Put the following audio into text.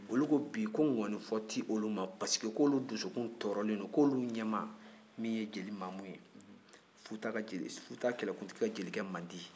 olu ko bi ko ngɔnifɔ tɛ olu ma parce que k'olu dusukun tɔɔrɔlen don k'olu ɲɛmaa min ye jeli mamu ye futa kɛlɛkuntigi ka jelikɛ mandi